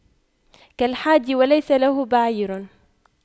كالحادي وليس له بعير